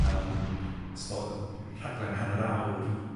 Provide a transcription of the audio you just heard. yym sto- yy r- rhaglan hannar awr